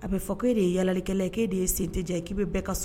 A bɛ fɔ e de ye yaalikɛla k' e de ye sen tɛ k'i bɛ ka so